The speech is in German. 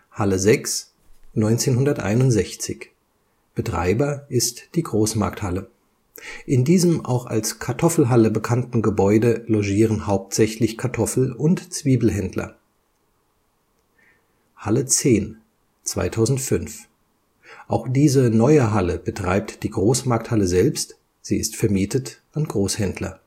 Halle 6, 1961: Betreiber GMH. In diesem auch als Kartoffelhalle bekannten Gebäude logieren hauptsächlich Kartoffel - und Zwiebelhändler. Halle 10, 2005: Auch diese neue Halle betreibt die Großmarkthalle selbst, sie ist vermietet an Großhändler